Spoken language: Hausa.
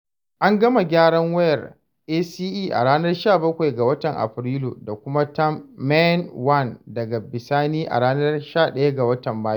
An gama gyaran wayar ACE a ranar 17 ga watan Afirilu da kuma ta 'MainOne' daga bisani a ranar 11 ga watan Mayu.